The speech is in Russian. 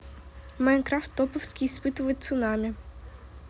minecraft топовский испытывает цунами